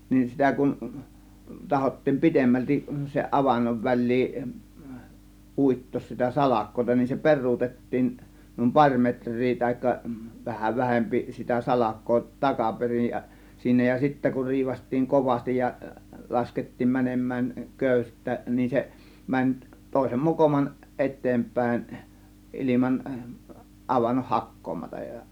niin sitä kun tahkottiin pidemmälti sen avannon väliin uittaa sitä salkoa niin se peruutettiin niin pari metriä tai vähän vähempi sitä salkoa takaperin ja ja siinä ja sitten kun riipaistiin kovasti ja laskettiin menemään köyttä niin se meni toisen mokoman eteenpäin ilman avannon hakkaamatta ja